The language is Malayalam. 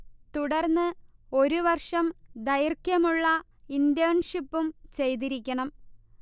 തുടർന്ന് ഒരു വർഷം ദൈർഘ്യമുള്ള ഇന്റേൺഷിപ്പും ചെയ്തിരിക്കണം